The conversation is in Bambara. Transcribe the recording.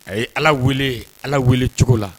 A ye ala wele ala wele cogo la